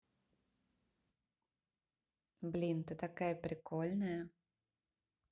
блин ты такая прикольная